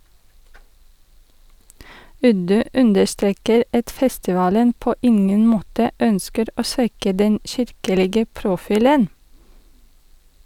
Uddu understreker at festivalen på ingen måte ønsker å svekke den kirkelige profilen.